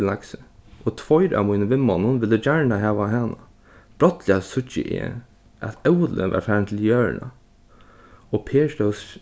við laksi og tveir av mínum vinmonnum vildu gjarna hava hana brádliga síggi eg at óli var farin til jørðina og per stóð